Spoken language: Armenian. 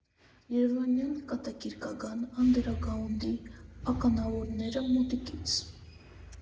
Երևանյան կատակերգական անդերգրաունդի ականավորները՝ մոտիկից։